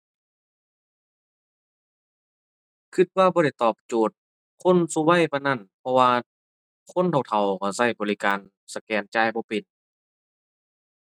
คิดว่าบ่ได้ตอบโจทย์คนซุวัยปานนั้น เพราะว่าคนเฒ่าเฒ่าคิดคิดบริการสแกนจ่ายบ่เป็น